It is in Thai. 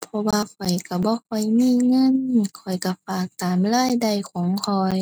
เพราะว่าข้อยก็บ่ค่อยมีเงิน ข้อยก็ฝากตามรายได้ของข้อย